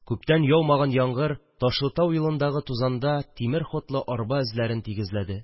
Күптән яумаган яңгыр Ташлытау юлындагы тузанда тимер ходлы арба эзләрен тигезләде